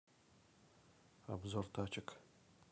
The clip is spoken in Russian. обзор тачек